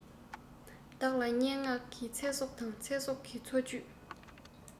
བདག ལ སྙན ངག གི ཚེ སྲོག དང ཚེ སྲོག གི འཚོ བཅུད